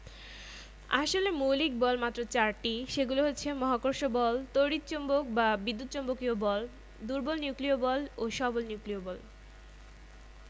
সেখানে কিন্তু পরস্পরের অণু পরমাণু তাদের ঘিরে ঘূর্ণায়মান ইলেকট্রন সরাসরি স্পর্শ দিয়ে নয় তাদের তড়িৎ চৌম্বক বল দিয়ে একে অন্যের সাথে কাজ করছে